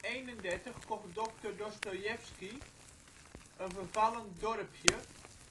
1831 kocht dokter Dostojevski een vervallen dorpje,